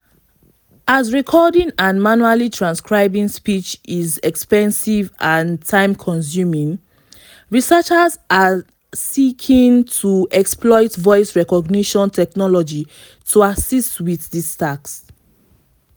As recording and manually transcribing speech is expensive and time-consuming, researchers are seeking to exploit voice recognition technology to assist with this task.